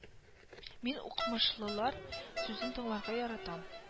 Мин укымышлылар сүзен тыңларга яратам